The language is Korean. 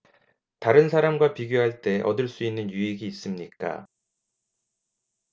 다른 사람과 비교할 때 얻을 수 있는 유익이 있습니까